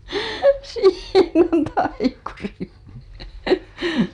siinä on taikuri